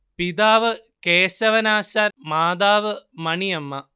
പിതാവ് കേശവൻ ആശാൻ മാതാവ് മണിയമ്മ